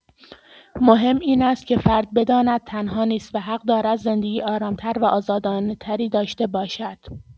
مهم این است که فرد بداند تنها نیست و حق دارد زندگی آرام‌تر و آزادانه‌تری داشته باشد.